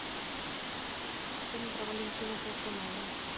фильм про валентину толкунову